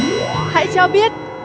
hãy cho biết